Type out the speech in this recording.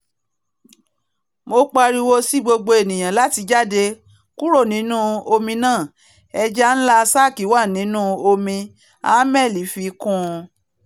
'Mo pariwo sí gbogbo eniyan láti jáde kúrò nínú omi náà: 'Ẹja ńlá sáàki wà nínú omi!'' Hammel fi kún un.